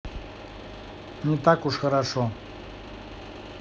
не так уж хорошо